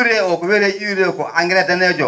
UREE oo ko wiyetee UREE koo engrais daneejo oo